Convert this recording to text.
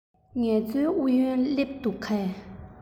ངལ རྩོལ ཨུ ཡོན སླེབས འདུག གས